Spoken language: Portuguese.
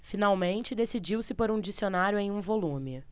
finalmente decidiu-se por um dicionário em um volume